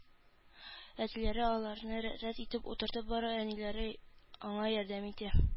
Әтиләре аларны рәт-рәт итеп утыртып бара, әниләре аңа ярдәм итә